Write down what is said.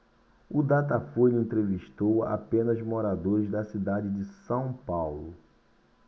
o datafolha entrevistou apenas moradores da cidade de são paulo